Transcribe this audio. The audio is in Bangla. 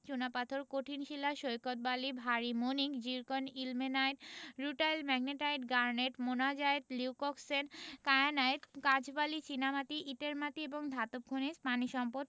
চুনাপাথর কঠিন শিলা সৈকত বালি ভারি মণিক zircon ilmenite rutile magnetite garnet monazite leucoxene kyanite কাঁচবালি চীনামাটি ইটের মাটি এবং ধাতব খনিজ পানি সম্পদ